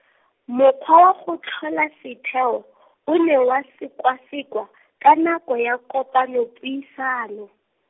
mokgwa wa go tlhola setheo , o ne wa sekwasekwa , ka nako ya kopanopuisano.